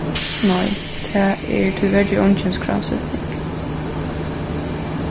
nei tað er tíverri eingin skráseting